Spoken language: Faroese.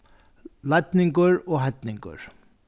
leidningur og heidningur